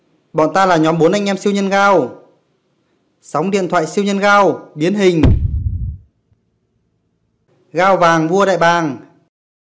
bọn ta là nhóm anh em siêu nhân gao sóng điện thoại siêu nhân gao biến hình gao vàng vua đại bàng